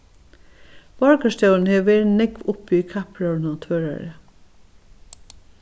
borgarstjórin hevur verið nógv uppi í kappróðrinum á tvøroyri